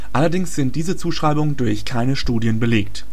Allerdings sind diese Zuschreibungen durch keine Studien belegt